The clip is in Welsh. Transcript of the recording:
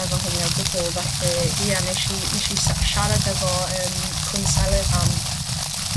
efo hynny o gwbl. Felly, ia nesh i ness i sa- siarad efo ymm cwnselydd am